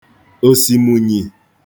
òsìmùnyì